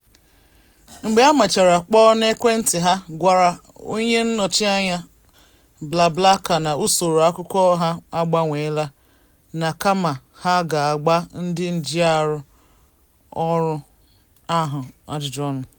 Mgbe ha mechara kpọọ n'ekwentị, ha gwara onye nnọchianya BlaBlaCar na usoro akụkọ ha agbanweela, na kama, ha ga-agba ndị njiarụ ọrụ ahụ ajụjụọnụ.